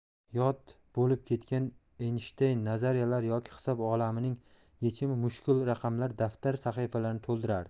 yod bo'lib ketgan eynshteyn nazariyalari yoki hisob olamining yechimi mushkul raqamlari daftar sahifalarini to'ldirardi